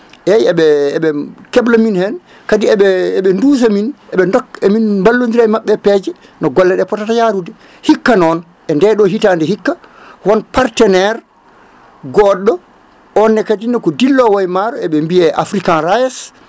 eyyi eɓe eɓe keblamin hen kadi eɓe duusa min eɓe dokka emin ballodira e mabɓe e peeje no golleɗe potata yarude hikka noon e ndeɗo hitande hikka won partenaire godɗo onne kadi ne ko dillowo e maaro eɓe mbiye AFRICAN RICE